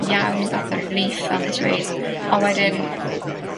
iawn fatha relief fel nesh i weud, on' wedyn